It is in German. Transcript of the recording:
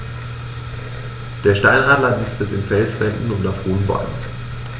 Der Steinadler nistet in Felswänden und auf hohen Bäumen.